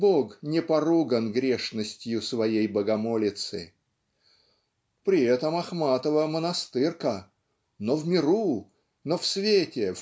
Бог не поруган грешностью своей богомолицы. При этом Ахматова монастырка но в миру но в свете